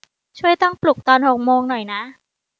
ช่วยตั้งปลุกตอนหกโมงหน่อยนะ